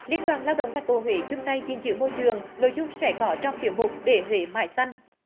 liên đoàn lao động thành phố huế chung tay gìn giữ môi trường nội dung sẽ có trong tiết mục để huế mãi xanh